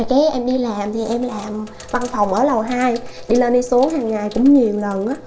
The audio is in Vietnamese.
đợt đấy em đi làm thì em làm văn phòng ở lầu hai đi lên đi xuống hằng ngày cũng nhiều lần ớ